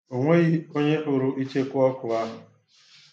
Ọ nweghị onye hụrụ ịchekuọkụ ahụ